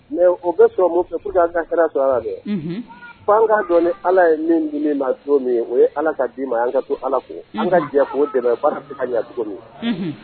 Mɛ o bɛ sɔrɔ fɛ'' kɛra to ala dɛ fa'a dɔn ni ala ye min di min maa don min o ye ala k' d'i ma yan ka to ala ko an ka jɛ dɛmɛ ka ɲɛ tuguni ma